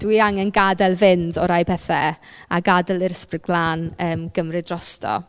Dwi angen gadael fynd o rai pethe a gadael yr Ysbryd Glân yym gymryd drosto.